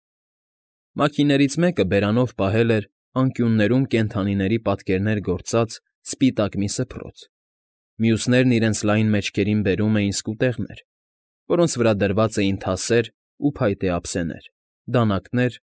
Մաքիներից մեկը բերանով պահել էր անկյուններում կենդանիների պատկերներ գործած սպիտակ մի սփռոց, մյունսերն իրենց լայն մեջքներին բերում էին սկուտեղներ, որոնց վրա դրված էին թասեր ու փայտե ափսեներ, դանականեր։